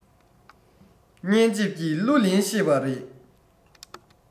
སྙན འཇེབས ཀྱི གླུ ལེན ཤེས པ རེད